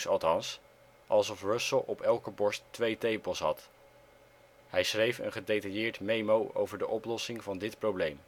althans - alsof Russell op elke borst twee tepels had. Hij schreef een gedetailleerd memo over de oplossing van dit probleem